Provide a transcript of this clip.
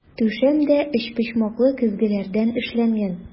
Түшәм дә өчпочмаклы көзгеләрдән эшләнгән.